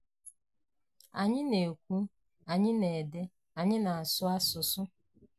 Anyị na-ekwu, anyị na-ede, anyị na-asụ asụsụ.